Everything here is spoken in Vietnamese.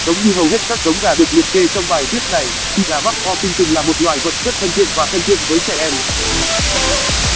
giống như hầu hết các giống gà được liệt kê trong bài viết này thì gà buff orpington là một loài vật rất thân thiện và thân thiện với trẻ em